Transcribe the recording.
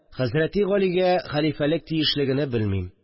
Хәзрәти Галигә хәлифәлек тиешлегене белмим